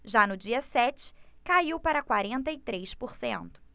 já no dia sete caiu para quarenta e três por cento